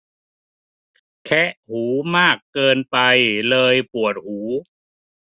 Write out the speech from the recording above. แคะหูมากเกินไปเลยปวดหู